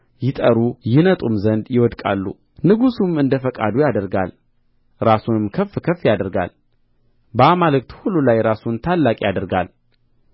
ይጠሩ ይነጡም ዘንድ ይወድቃሉ ንጉሡም እንደ ፈቃዱ ያደርጋል ራሱንም ከፍ ከፍ ያደርጋል በአማልክት ሁሉ ላይ ራሱን ታላቅ ያደርጋል